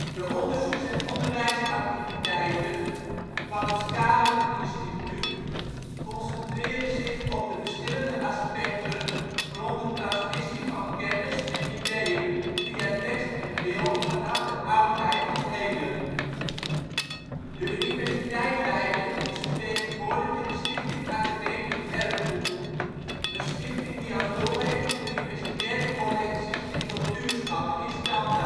De onderzoeks - en onderwijsactiviteiten van het Scaliger Instituut concentreren zich op de verschillende aspecten rond de transmissie van kennis en ideeën via tekst en beeld vanaf de oudheid tot heden. De Universiteit Leiden is vertegenwoordigd in de Stichting Academisch Erfgoed, een stichting die als doel heeft om universitaire collecties en cultuurschatten in stand